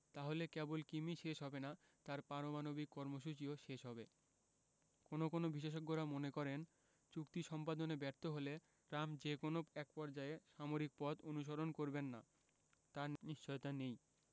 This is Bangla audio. তাহলে কেবল কিমই শেষ হবে না তাঁর পারমাণবিক কর্মসূচিও শেষ হবে কোনো কোনো বিশেষজ্ঞেরা মনে করেন চুক্তি সম্পাদনে ব্যর্থ হলে ট্রাম্প যে কোনো একপর্যায়ে সামরিক পথ অনুসরণ করবেন না তার নিশ্চয়তা নেই